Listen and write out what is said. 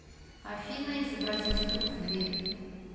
афина изобрази стук в дверь